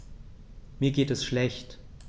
Mir geht es schlecht.